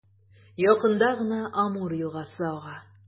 Якында гына Амур елгасы ага.